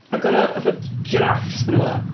ac oedd 'na fatha jiráffs arna fo.